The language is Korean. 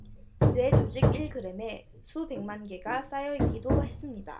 뇌 조직 일 그램에 수백만 개가 쌓여 있기도 했습니다